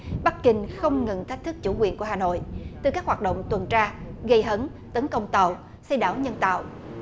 bắc kinh không ngừng thách thức chủ quyền của hà nội từ các hoạt động tuần tra gây hấn tấn công tàu xây đảo nhân tạo